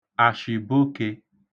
àshị̀bokē